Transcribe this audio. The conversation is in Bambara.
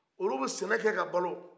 olu bɛ sɛnɛkɛ ka balo